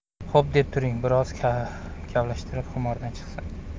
xo'p deb turing bir oz kavlashtirib xumordan chiqsin